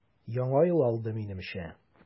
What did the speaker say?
Яңа ел алды, минемчә.